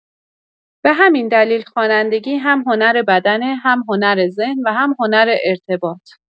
به همین دلیل، خوانندگی هم هنر بدنه، هم هنر ذهن و هم هنر ارتباط.